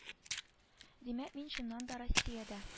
Димәк мин чыннан да россиядә